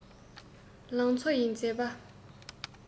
ལང ཚོ ཡི མཛེས པ